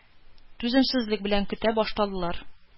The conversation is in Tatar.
Түземсезлек белән көтә башладылар.